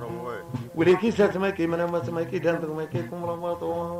'isatuma k'i mana masa k'i dan kɛ kuma